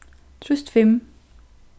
trýst fimm